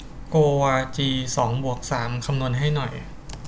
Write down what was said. โกวาจีสองบวกสามคำนวณให้หน่อย